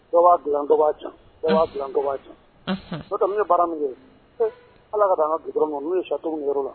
B'a bilako ca' bilako ca dɔ ye baara min ye ala ka taa dɔrɔn kɔnɔ n'u ye sacogo yɔrɔ la